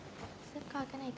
sếp coi cái